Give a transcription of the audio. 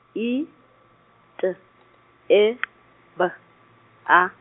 I T E B A.